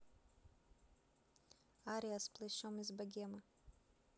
ария с плащем из богемы